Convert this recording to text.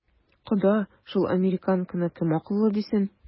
Кода, шул американканы кем акыллы дисен?